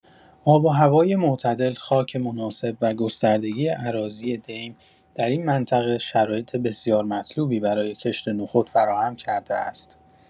آب‌وهوای معتدل، خاک مناسب و گستردگی اراضی دیم در این منطقه شرایط بسیار مطلوبی برای کشت نخود فراهم کرده است.